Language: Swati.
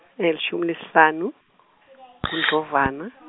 nelishumi nesihlanu, kuNdlovana.